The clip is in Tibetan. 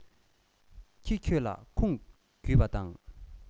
ཁྱི ཁྱོད ལ ཁུངས བརྒྱུད པ དང